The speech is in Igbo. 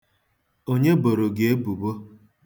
Onye boro gị ebubo?